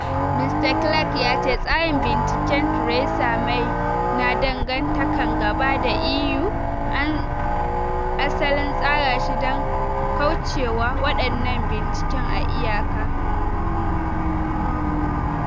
“Mu na bukatar mu samu yarjejeniya. Mu na so mu samu mafi kyakkyawan yarjejeniya da zai bamu daman kamar yadda na fada ba kawai nasaran da zamu ji dadin shi a halin yanzu ba amma mu samu yin amfani da wannan daman,” ya fada a tsarin Yau na Radiyon BBC 4.